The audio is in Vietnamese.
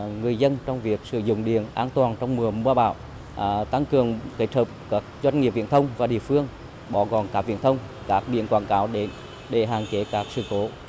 à người dân trong việc sử dụng điện an toàn trong mùa mưa bão à tăng cường kết hợp các doanh nghiệp viễn thông và địa phương bó gọn cáp viễn thông các biển quảng cáo đến để hạn chế các sự cố